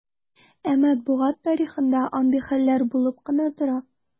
Ә матбугат тарихында андый хәлләр булып кына тора.